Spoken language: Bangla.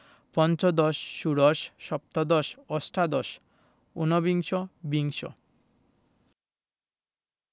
পঞ্চদশ ষোড়শ সপ্তদশ অষ্টাদশ উনবিংশ বিংশ